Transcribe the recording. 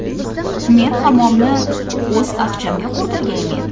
men hammomni o'z aqchamga qurdirgaymen